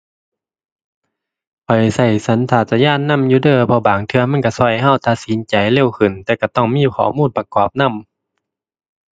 ข้อยใช้สัญชาตญาณนำอยู่เด้อ เพราะบางเทื่อมันใช้ใช้ให้ใช้ตัดสินใจเร็วขึ้น แต่ใช้ต้องมีข้อมูลประกอบนำ